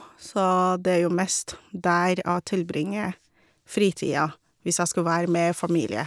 Så det er jo mest der jeg tilbringer fritida, hvis jeg skal være med familie.